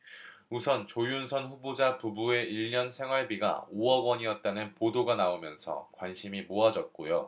우선 조윤선 후보자 부부의 일 년 생활비가 오 억 원이었다는 보도가 나오면서 관심이 모아졌고요